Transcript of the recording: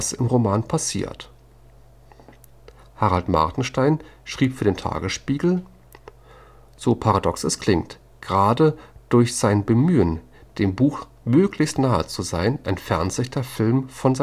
Roman] passiert. “Harald Martenstein schrieb für den Tagesspiegel: „ So paradox es klingt – gerade durch sein Bemühen, dem Buch möglichst nahe zu sein, entfernt sich der Film von